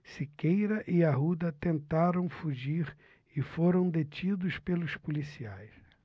siqueira e arruda tentaram fugir e foram detidos pelos policiais